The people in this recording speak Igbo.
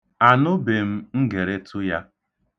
Anụbe m ngeretụ ya.